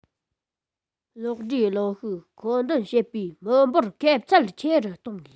གློག དྲས གློག ཤུགས མཁོ འདོན བྱེད པའི མི འབོར ཁེབས ཚད ཆེ རུ གཏོང དགོས